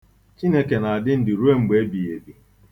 Chineke na-adị ndụ ruo mgbe ebigheebi.